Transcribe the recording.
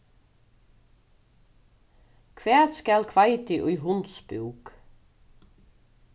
hvat skal hveiti í hunds búk